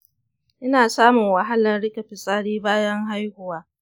ina samun wahalar riƙe fitsari bayan haihuwa.